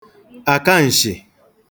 àkaǹshị̀